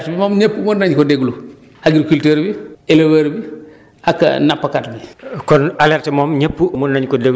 donc dañ lay dañ la koy wax alerte bi moom ñëpp mën nañu ko déglu agriculteurs wi éleveurs bi ak nappkat bi